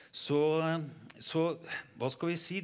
så så hva skal vi si?